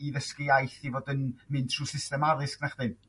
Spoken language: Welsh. i ddysgu iaith i fod yn mynd trwy system addysg nachdyn?